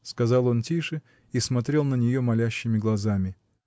— сказал он тише и смотрел на нее молящими глазами.